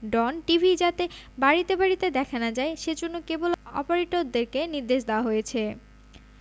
ডন TV যাতে বাড়িতে বাড়িতে দেখা না যায় সেজন্যে কেবল অপারেটরদের নির্দেশ দেওয়া হয়েছে